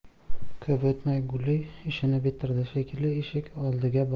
ko'p o'tmay guli ishini bitirdi shekilli eshik oldiga bordi